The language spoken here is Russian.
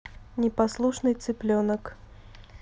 непослушный цыпленок